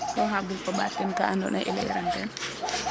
so xa bug o ɓat teen ka andoona ye i layiran